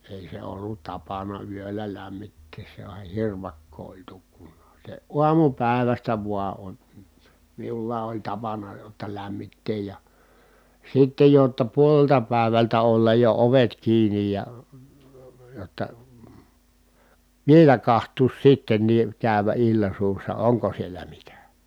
ei se ollut tapana yöllä lämmittää sehän oli hirvakkoa oli tukkunaan se aamupäivästä vain on minulla oli tapana jotta lämmittää ja sitten jotta puolelta päivältä olla jo ovet kiinni ja jotta vielä katsoa sittenkin käydä illan suussa onko siellä mitä